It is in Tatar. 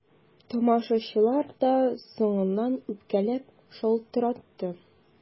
Тамашачылар да соңыннан үпкәләп шалтыратты.